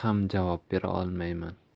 ham javob bera olmayman